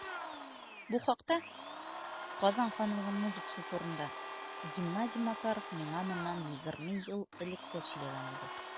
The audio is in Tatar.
Бу хакта - Казан ханлыгы музыкасы турында - Геннадий Макаров миңа моннан 20 ел элек тә сөйләгән иде.